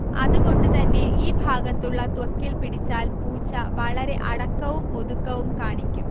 അതുകൊണ്ട് തന്നെ ഈ ഭാഗത്തുള്ള ത്വക്കിൽ പിടിച്ചാൽ പൂച്ച വളരെ അടക്കവും ഒതുക്കവും കാണിക്കും